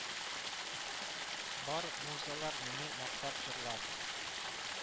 Бар музалар мине мактап җырлар